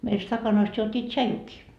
meillä stakanoista juotiin tsaijukin